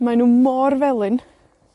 Mae nw mor felyn.